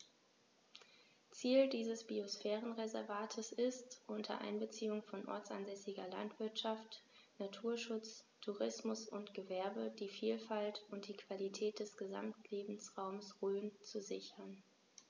Ziel dieses Biosphärenreservates ist, unter Einbeziehung von ortsansässiger Landwirtschaft, Naturschutz, Tourismus und Gewerbe die Vielfalt und die Qualität des Gesamtlebensraumes Rhön zu sichern.